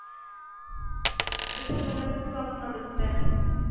Бөтен гомере күз алдыннан үтте